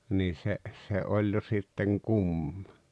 niin se se oli jo sitten kumma